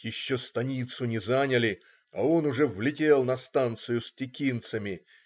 - Еще станицу не заняли, а он уже влетел на станцию с текинцами.